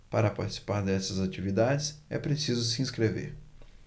para participar dessas atividades é preciso se inscrever